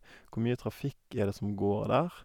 Hvor mye trafikk er det som går der?